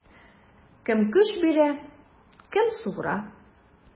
Кем көч бирә, кем суыра.